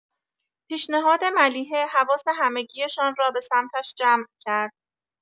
پیشنهاد ملیحه حواس همگی‌شان را سمتش جمع کرد.